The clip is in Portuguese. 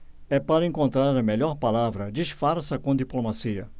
é para encontrar a melhor palavra disfarça com diplomacia